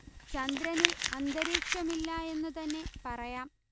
ചന്ദ്രനിൽ അന്തരീക്ഷമില്ല എന്നു തന്നെ പറയാം